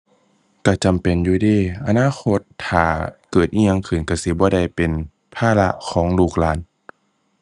ก็จำเป็นอยู่เดะ อนาคตถ้าเกิดอิหยังขึ้นก็สิบ่ได้เป็นภาระของลูกหลาน